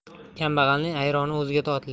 kambag'alning ayroni o'ziga totli